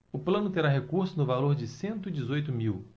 o plano terá recursos no valor de cento e dezoito mil